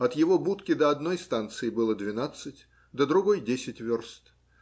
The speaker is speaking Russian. От его будки до одной станции было двенадцать, до другой - десять верст.